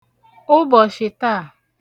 ụbọ̀sh̀ị taà